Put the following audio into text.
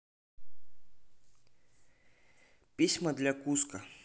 письма для куско